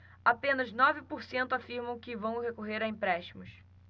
apenas nove por cento afirmam que vão recorrer a empréstimos